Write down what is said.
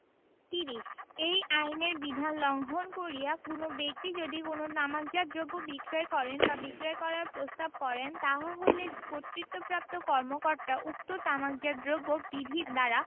৩০ এই আইনের বিধান লংঘন করিয়া কোন ব্যক্তি যদি কোন তামাকজাত দ্রব্য বিক্রয় করেন বা বিক্রয় করার প্রস্তাব করেন তাহা হইলে কর্তৃত্বপ্রাপ্ত কর্মকর্তা উক্ত তামাকজাত দ্রব্য বিধি দ্বারা